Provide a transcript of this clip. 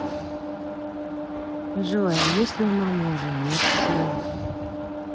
джой а если у мамы уже нет сил